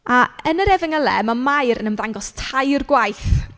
A yn yr Efengylau ma' Mair yn ymddangos tair gwaith.